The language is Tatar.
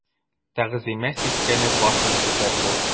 Тәгъзимә сискәнеп башын күтәрде.